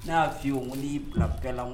Ne ya fi ye o ngo ni yi bila paix la